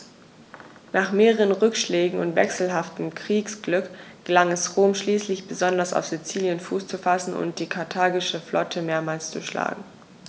Nach mehreren Rückschlägen und wechselhaftem Kriegsglück gelang es Rom schließlich, besonders auf Sizilien Fuß zu fassen und die karthagische Flotte mehrmals zu schlagen.